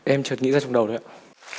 em chợt nghĩ ra trong đầu thôi ạ